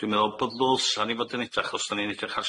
Dwi'n meddwl be ddwlsa ni fod yn edrach os 'dan ni'n edrych ar